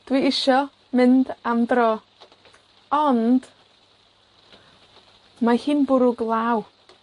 dwi isio mynd am dro. Ond, mae hi'n bwrw glaw.